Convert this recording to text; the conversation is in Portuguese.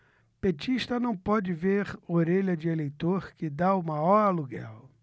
petista não pode ver orelha de eleitor que tá o maior aluguel